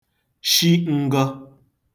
shi n̄gọ̄